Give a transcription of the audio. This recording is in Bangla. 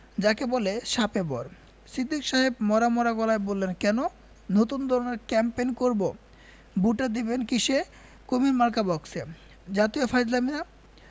যাকে বলে শাপে বর সিদ্দিক সাহেব মরা মরা গলায় বললেন কেন নতুন ধরনের ক্যাম্পেইন করব ভোট দিবেন কিসে কুমীর মার্কা বাক্সে জাতীয় ফাজলামী না